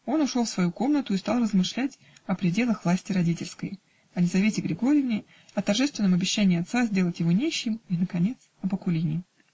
Он ушел в свою комнату и стал размышлять о пределах власти родительской, о Лизавете Григорьевне, о торжественном обещании отца сделать его нищим и наконец об Акулине.